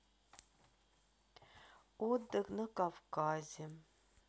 отдых на кавказе